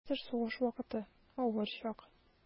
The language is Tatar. Хәзер сугыш вакыты, авыр чак.